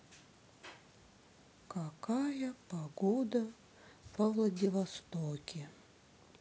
какая погода во владивостоке